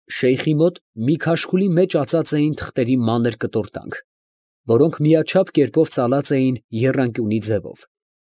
Շեյխի մոտ մի քաշքուլի մեջ ածած էին թղթերի մանր կտորտանք, որոնք միաչափ կերպով ծալած էին եռանկյունի ձևով։